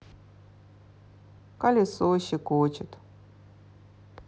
колесо щекочет